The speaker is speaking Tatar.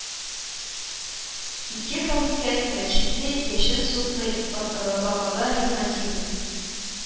* ике хакыйкать: мәчетне яшен сукмый, бакага ревматизм